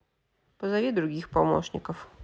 позови других помощников